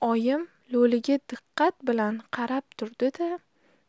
oyim lo'liga diqqat bilan qarab turdi da